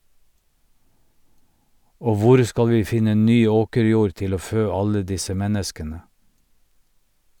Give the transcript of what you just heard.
Og hvor skal vi finne ny åkerjord til å fø alle disse menneskene?